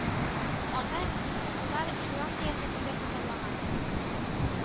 Аны мисырлылар елан кыяфәтендә күзаллаган